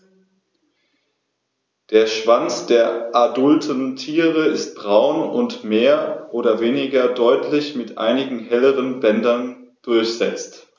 Der Schwanz der adulten Tiere ist braun und mehr oder weniger deutlich mit einigen helleren Bändern durchsetzt.